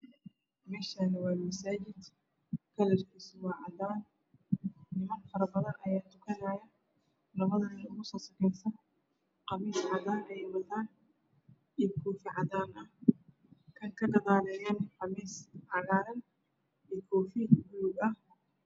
Meeshaan waa masaajid kalarkiisa waa cadaan niman fara badan ayaa tukanaaya labadaan nin ugu soo sokayso qamiis cadaan ayay wataan iyo koofi cadaan ah kan ka gadaaleeyana qamiis cagaaran iyo koofi bulug ah.